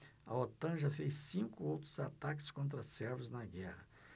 a otan já fez cinco outros ataques contra sérvios na guerra